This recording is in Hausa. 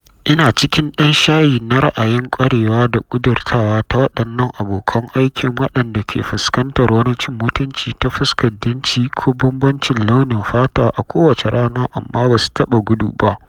Ina cikin dan shayi na ra’ayin kwarewa da ƙudurtawa ta waɗannan abokan aikin waɗanda ke fuskantar wani cin mutunci ta fuska jinsi ko bambancin launin fata a kowace rana amma ba su taɓa gudu ba.